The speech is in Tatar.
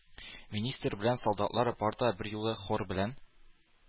Министр белән солдатлар бар да берьюлы хор белән: